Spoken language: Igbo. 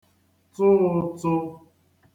-tụ ụtụ